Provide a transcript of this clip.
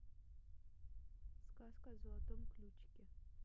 сказка о золотом ключике